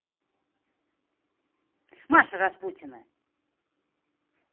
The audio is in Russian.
маша распутина